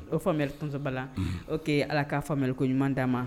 O famere tɔsɔba la o k' ala k'a fa mriko ɲuman d'a ma